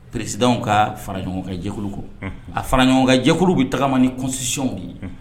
Peresidaw ka fara ɲɔgɔn ka jɛkuluko a fara ɲɔgɔn kan jɛkulu bɛ tagamani ni kosisiw de ye